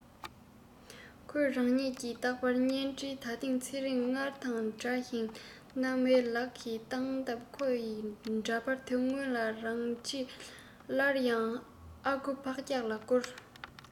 ཁོ རང ཉིད ཀྱི རྟག པར བརྙན འཕྲིན ད ཐེངས ཚེ རིང སྔར དང འདྲ ཞིང གནམ སའི ལག གི སྟངས སྟབས ཁོ ཡི འདྲ པར དེ སྔོན ལ རང རྗེས སླར ཡང ཨ ཁུ ཕག སྐྱག ལ བསྐུར